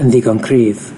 yn ddigon cryf.